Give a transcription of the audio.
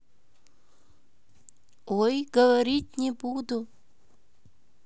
ой говорить не буду